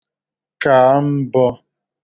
kà mbọ̄